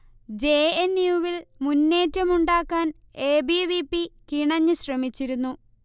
J. N. U. വിൽ മുന്നേറ്റം ഉണ്ടാക്കാൻ എ. ബി. വി. പി. കിണഞ്ഞ് ശ്രമിച്ചിരുന്നു